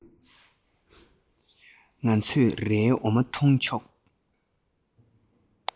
ང ཚོས རའི འོ མ འཐུང ཆོག